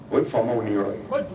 O ye faamaw ni yɔrɔ ye